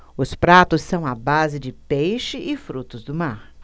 os pratos são à base de peixe e frutos do mar